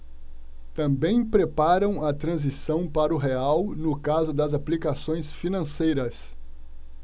também preparam a transição para o real no caso das aplicações financeiras